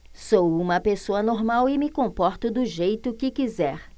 sou homossexual e me comporto do jeito que quiser